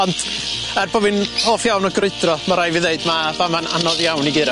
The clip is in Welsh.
Ond er bo' fi'n hoff iawn o grwydro ma' rai' fi ddeud ma' fama'n anodd iawn i guro.